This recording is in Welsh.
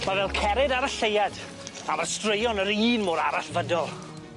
Ma' fel cered ar y Lleuad a ma'r straeon yr un mor arallfydol.